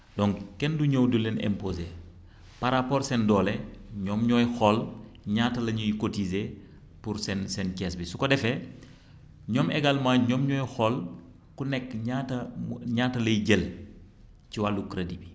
donc kenn du ñëw di leen imposé par rapport seen doole ñoom ñooy xool ñaata la ñuy cotisé pour seen seen kees bi su ko defee ñoom également ñoom ñooy xool ku nekk ñaata ñaata lay jël ci wàllu crédit